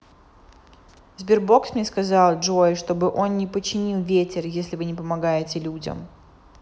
sberbox мне сказал джой чтобы он не починил ветер если вы не помогаете людям